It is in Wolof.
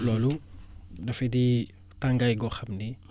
loolu dafa di tàngaay goo xam ne